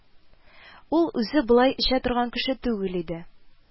Ул үзе болай эчә торган кеше түгел иде